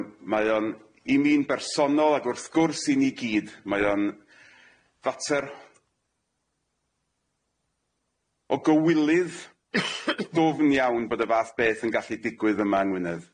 Yym mae o'n i mi'n bersonol ac wrth gwrs i ni gyd mae o'n fater o gywilydd ddwfn iawn bod y fath beth yn gallu digwydd yma yng Ngwynedd.